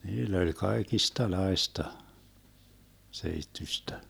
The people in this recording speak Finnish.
niillä oli kaikenlaista seittyistä